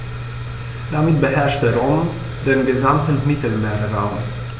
Damit beherrschte Rom den gesamten Mittelmeerraum.